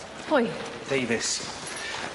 Pwy? Davis.